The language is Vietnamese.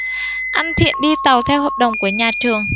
anh thiện đi tàu theo hợp đồng của nhà trường